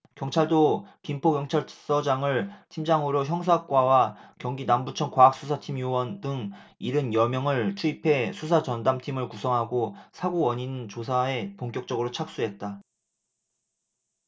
경찰도 김포경찰서장을 팀장으로 형사과와 경기남부청 과학수사팀 요원 등 일흔 여명을 투입해 수사 전담팀을 구성하고 사고 원인 조사에 본격적으로 착수했다